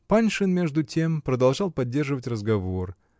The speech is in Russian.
Паншин между тем продолжал поддерживать разговор.